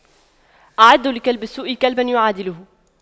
أعدّوا لكلب السوء كلبا يعادله